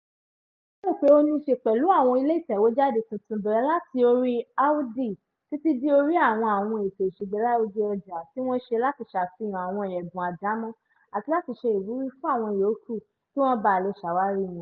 mo lérò pé ó níí ṣe pẹ̀lú àwọn ilé ìtẹ̀wéjáde tuntun, bẹ̀rẹ̀ láti orí Awoudy, títí dé orí àwọn àwọn ètò ìṣègbélárugẹ ọjà tí wọ́n ṣe láti ṣàfihàn àwọn ẹlẹ́bùn àdámọ́ àti láti ṣe ìwúrí fún àwọn yòókù kí wọ́n bà lè ṣàwárí wọn.